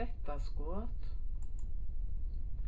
klettaskot